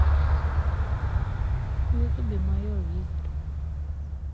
в ютубе майор вихрь